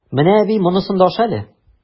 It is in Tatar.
Менә, әби, монсын да аша әле!